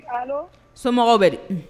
Somɔgɔw bɛ di